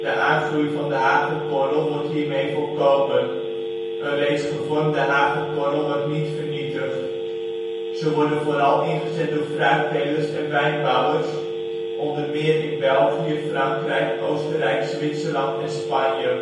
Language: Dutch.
aangroei van de hagelkorrel wordt hiermee voorkomen. Een reeds gevormde hagelkorrel wordt niet vernietigd. Ze worden vooral ingezet door fruittelers en wijnbouwers, onder meer in België, Frankrijk, Oostenrijk, Zwitserland en Spanje